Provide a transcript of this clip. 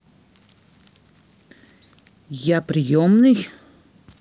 а я приемный